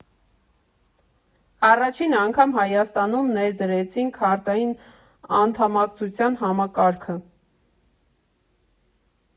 Առաջին անգամ Հայաստանում ներդրեցինք քարտային անդամակցության համակարգը։